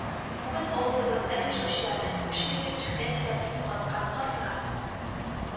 Бүген авылыбызда яшәүчеләрнең күпчелеге эшкә сәләтен югалткан картлар